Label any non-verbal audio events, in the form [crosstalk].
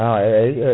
[hesitation] eyyi eyyi